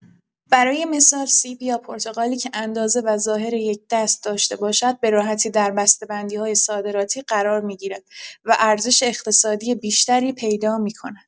برای مثال سیب یا پرتقالی که اندازه و ظاهر یکدست داشته باشد، به‌راحتی در بسته‌بندی‌های صادراتی قرار می‌گیرد و ارزش اقتصادی بیشتری پیدا می‌کند.